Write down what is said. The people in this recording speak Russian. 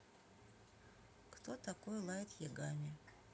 кто такой лайт ягами